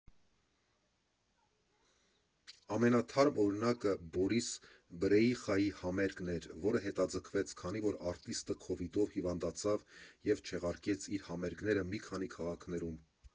Ամենաթարմ օրինակը Բորիս Բրեիխայի համերգն էր, որը հետաձգվեց, քանի որ արտիստը քովիդով հիվանդացավ և չեղարկեց իր համերգները մի քանի քաղաքներում։